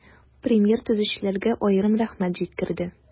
Премьер төзүчеләргә аерым рәхмәт җиткерде.